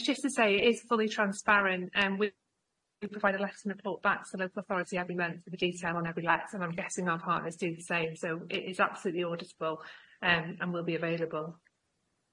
Yym it's just to say it is fully transparent and we'll we'll provide a lesson report back to there's authority every month for the detail on every let and I'm guessing our partners do the same so it is absolutely auditable yym and will be available.